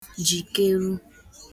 jìkèrù